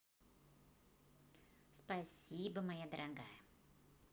спасибо моя дорогая